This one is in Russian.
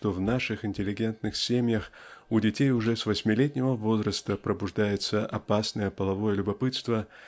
что в наших интеллигентных семьях у детей уже с восьмилетнего возраста пробуждается опасное половое любопытство